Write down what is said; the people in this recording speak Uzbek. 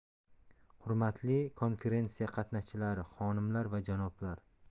hurmatli konferensiya qatnashchilari xonimlar va janoblar